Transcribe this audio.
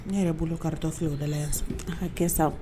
Ne yɛrɛ bolo karatatɔ fɛ odala yan a hakɛ kɛ sa